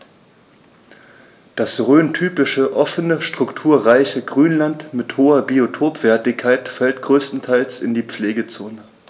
Das rhöntypische offene, strukturreiche Grünland mit hoher Biotopwertigkeit fällt größtenteils in die Pflegezone.